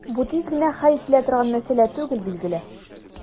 Бу тиз генә хәл ителә торган мәсьәлә түгел, билгеле.